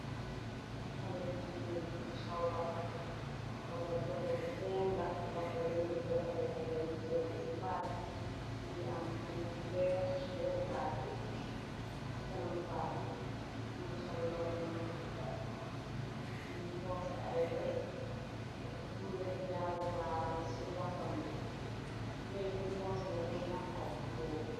xale bu jigeen bi mungi sol roba bi roba bu teeng la loxoy dañu gudda loxoytam dañ teen ci baat gi mungi am buum bu weex bu wër baat bi ci kana mu baat bi mungi sol londoŋ yu gudda mungi poose ay wex mungi daf jaaru baaraam ci loxam bi weeyin poose nak dañu am ay kuloor.